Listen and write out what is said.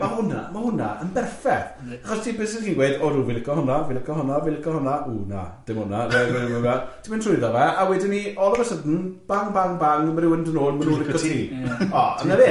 Ma' hwnna, ma' hwnna yn berffeth, achos ti byse ti'n gweud, o rŵ, fi'n licio hwnna, fi'n licio hwnna, fi'n licio hwnna, ww, na, dim hwnna, ti'n mynd trwyddo fe, a wedyn ni, all of a sudden, bang bang bang, ma' rywun yn dod n nôl a ma' nhw'n licio ti, a dyna fe.